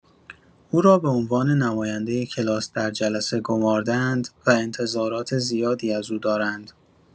او را به عنوان نماینده کلاس در جلسه گمارده‌اند و انتظارات زیادی از او دارند.